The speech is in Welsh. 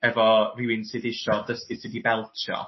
efo rywun sydd isio dysgu sud i beltsio.